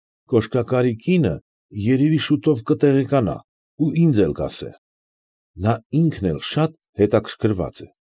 Կոշկակարի կինը, երևի, շուտով կտեղեկանա ու ինձ էլ կասե, նա ինքն էլ շատ հետաքրքրված է։